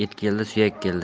et keldi suyak keldi